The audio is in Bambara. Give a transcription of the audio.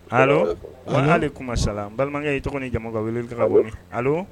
Wa'ale kuma sala balimakɛ ye tɔgɔ ni jamu ka wele bɔ